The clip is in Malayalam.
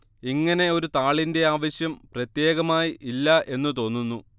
ഇങ്ങനെ ഒരു താളിന്റെ ആവശ്യം പ്രത്യേകമായി ഇല്ല എന്നു തോന്നുന്നു